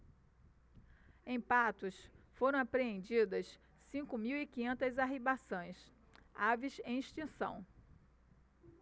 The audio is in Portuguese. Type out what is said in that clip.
em patos foram apreendidas cinco mil e quinhentas arribaçãs aves em extinção